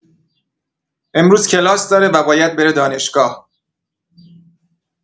امروز کلاس داره و باید بره دانشگاه.